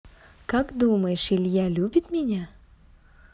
как думаешь илья любит меня